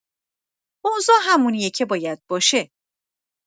اوضاع همونیه که باید باشه.